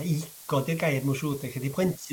ma' ego 'di'r gair mae siwr 'lly dydi plentyn